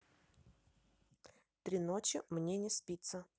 три ночи мне не спится